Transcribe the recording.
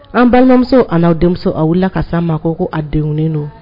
An balimamuso an n'aw denmuso a wulila ka san ma ko ko a denwnen don